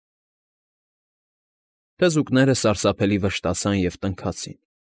Թզուկները սարսափելի վշտացան և տնքացին։